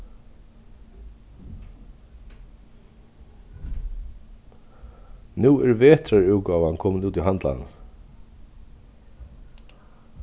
nú er vetrarútgávan komin út í handlarnar